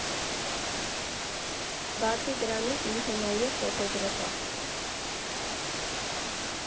Բացի դրանից, ինքը նաև ֆոտոգրաֆ ա։